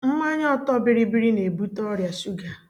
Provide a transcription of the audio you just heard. Mmanya ọtọ bịrịbịrị na-ebute ọrịashuga